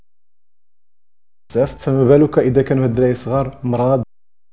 ملوك اذا كانوا صغار